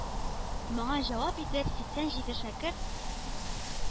Моңа җавап итеп, сиксән җиде шәкерт